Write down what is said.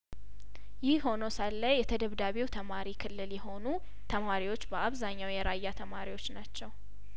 ይህ ሆኖ ሳለ የተደብዳቢው ተማሪ ክልል የሆኑ ተማሪዎች በአብዛኛው የራያተማሪዎች ናቸው